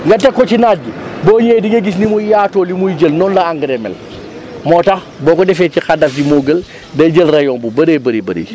nga teg ko ci naaj bi boo ñëwee di nga gis ni muy yaatoo li muy jël noonu la engrais mel moo tax boo ko defee ci xaddaf bi moo gën day jël rayon bu bëree bëri bëri